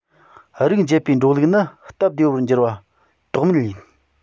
རིགས འབྱེད པའི འགྲོ ལུགས ནི སྟབས བདེ བོར འགྱུར བ དོགས མེད ཡིན